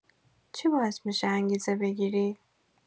چی باعث می‌شه انگیزه بگیری؟